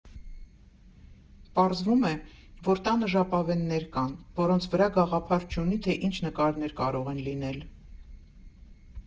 Պարզվում է, որ տանը ժապավեններ կան, որոնց վրա գաղափար չունի, թե ինչ նկարներ կարող են լինել։